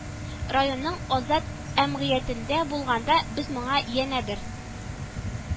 Районының азат әмгыятендә булганда без моңа янә бер